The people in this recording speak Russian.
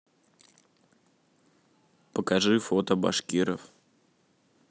покажи фото башкириков